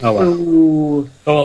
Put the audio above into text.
O wel. Www. O wel...